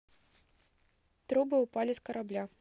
трубы упали с корабля